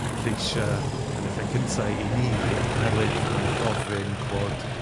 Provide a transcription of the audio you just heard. lleisia' yn y lle cynta i ni oherwydd mae'n gofyn bod